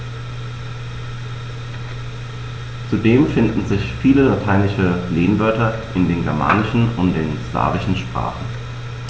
Zudem finden sich viele lateinische Lehnwörter in den germanischen und den slawischen Sprachen.